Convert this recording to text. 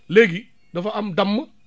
léegi dafa am damm